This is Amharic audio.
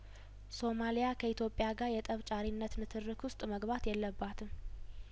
ሶማሊያ ከኢትዮጵያ ጋር የጠብ ጫሪነትን ትርክ ውስጥ መግባት የለባትም